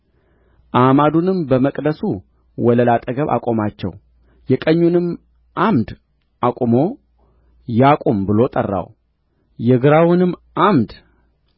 አዕማዱንም በመቅደሱ ወለል አጠገብ አቆማቸው የቀኙንም ዓምድ አቁሞ ያቁም ብሎ ጠራው የግራውንም ዓምድ